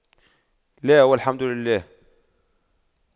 لا والحمد لله